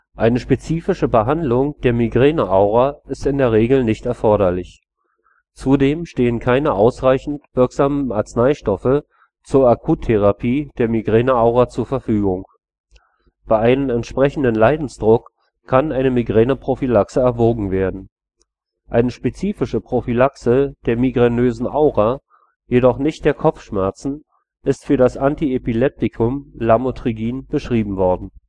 Eine spezifische Behandlung der Migräneaura ist in der Regel nicht erforderlich. Zudem stehen keine ausreichend wirksamen Arzneistoffe zur Akuttherapie der Migräneaura zur Verfügung. Bei einem entsprechenden Leidensdruck kann eine Migräneprophylaxe erwogen werden. Eine spezifische Prophylaxe der migränösen Aura, jedoch nicht der Kopfschmerzen, ist für das Antiepileptikum Lamotrigin beschrieben worden